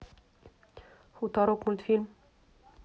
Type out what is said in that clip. хуторок мультфильм